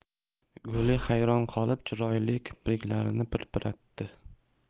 guli hayron qolib chiroyli kipriklarini pirpiratdi